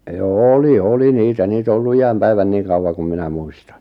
joo oli oli niitä niitä on ollut iän päivän niin kauan kuin minä muistan